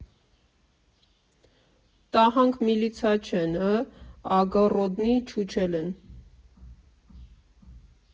֊Տահանք միլիցա չըն էէէ, ագառոդնի չուչելըն։